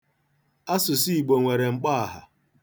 Asụsụ Igbo nwere mkpọaha.